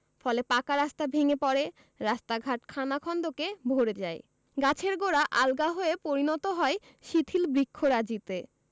ফলে পাকা রাস্তা ভেঙ্গে পড়ে রাস্তাঘাট খানাখন্দকে ভরে যায় গাছের গোড়া আলগা হয়ে পরিণত হয় শিথিল বৃক্ষরাজিতে